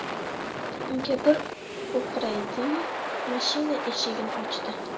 unga bir o'qraydi yu mashina eshigini ochdi